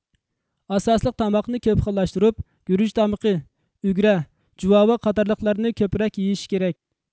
ئاساسلىق تاماقنى كۆپ خىللاشتۇرۇپ گۈرۈچ تامىقى ئۈگرە جۇۋاۋا قاتارلىقلارنى كۆپرەك يىيىش كىرەك